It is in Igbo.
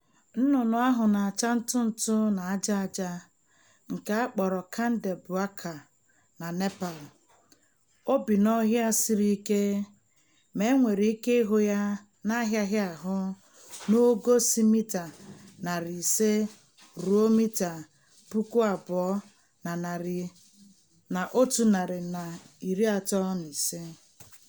Nnụnnụ ahụ na-acha ntụ ntụ na aja aja, nke a kpọrọ Kaande Bhyakur na Nepal, bi na'ọhịa siri ike ma e nwere ike ịhụ ya na-ahịaghị ahụ n'ogo si mita 500 ruo mita 2135.